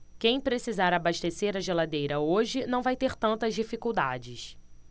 quem precisar abastecer a geladeira hoje não vai ter tantas dificuldades